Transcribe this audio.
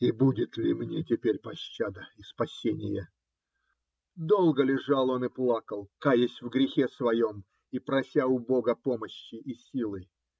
и будет ли мне теперь пощада и спасение?" Долго лежал он и плакал, каясь в грехе своем и прося у бога помощи и силы.